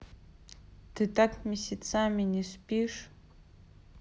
ты так месяцами не спишь